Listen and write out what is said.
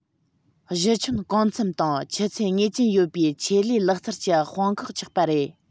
གཞི ཁྱོན གང འཚམ དང ཆུ ཚད ངེས ཅན ཡོད པའི ཆེད ལས ལག རྩལ གྱི དཔུང ཁག ཆགས པ རེད